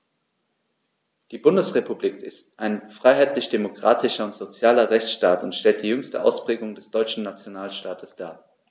Die Bundesrepublik ist ein freiheitlich-demokratischer und sozialer Rechtsstaat und stellt die jüngste Ausprägung des deutschen Nationalstaates dar.